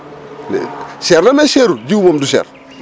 cher na mais seerul jiwu moom du cher